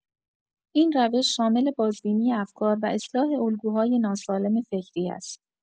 این روش شامل بازبینی افکار و اصلاح الگوهای ناسالم فکری است.